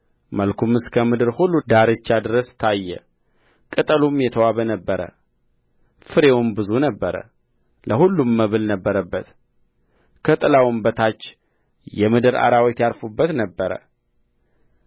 መልኩም እስከ ምድር ሁሉ ዳርቻ ድረስ ታየ ቅጠሉም የተዋበ ነበረ ፍሬውም ብዙ ነበረ ለሁሉም መብል ነበረበት ከጥላውም በታች የምድር አራዊት ያርፉበት ነበር